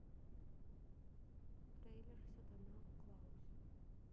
трейлер сатана клаус